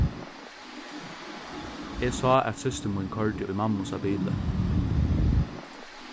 eg sá at systir mín koyrdi í mammusa bili